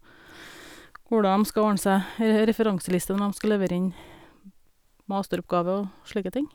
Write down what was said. Hvordan dem skal ordne seg referanseliste når dem skal levere inn masteroppgave og slike ting.